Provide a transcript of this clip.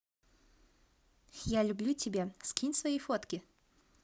я люблю тебя скинь свои фотки